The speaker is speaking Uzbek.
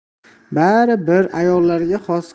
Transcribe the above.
bari bir ayollarga xos